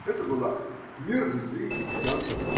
Эта была мерзость для египтян.